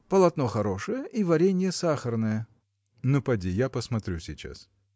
– Полотно хорошее и варенье сахарное. – Ну, поди, я посмотрю сейчас.